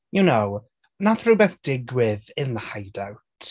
You know? Wnaeth rhywbeth digwydd in the hideout.